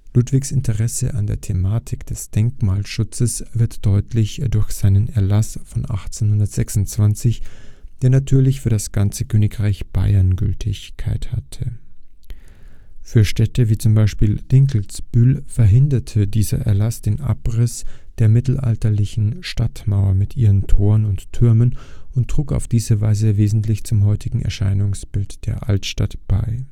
Ludwigs Interesse an der Thematik des Denkmalschutzes wird deutlich durch seinen Erlass von 1826, der natürlich für das ganze Königreich Bayern Gültigkeit hatte. Für Städte wie z. B. Dinkelsbühl verhinderte dieser Erlass den Abriss der mittelalterlichen Stadtmauer mit ihren Toren und Türmen und trug auf diese Weise wesentlich zum heutigen Erscheinungsbild der Altstadt bei